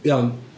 Iawn.